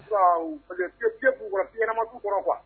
Parce que'ukuraɲɛnamati kɔrɔ kuwa